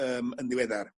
yym yn ddiweddar